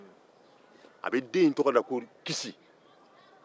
a bɛ den in tɔgɔ da ko kisi